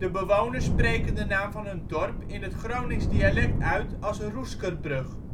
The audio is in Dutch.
bewoners spreken de naam van hun dorp in het Gronings dialect uit als Roeskerbrug